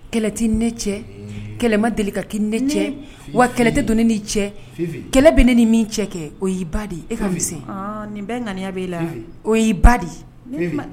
Kɛlɛ tɛ ne cɛ kɛlɛ ma deli ka' ne cɛ wa kɛlɛ tɛ don ne ni cɛ kɛlɛ bɛ ne ni min cɛ kɛ o y'i ba di e ka fisasɛn nin bɛɛ ŋaniya b' i la o y'i ba di